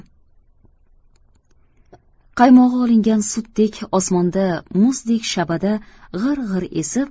qaymog'i olingan sutdek osmonda muzdek shabada g'ir g'ir esib